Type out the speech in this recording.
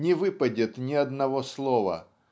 не выпадет ни одного слова